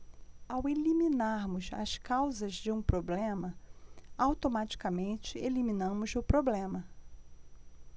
ao eliminarmos as causas de um problema automaticamente eliminamos o problema